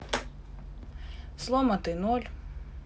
сломатый ноль